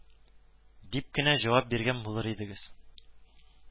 Дип кенә җавап биргән булыр идегез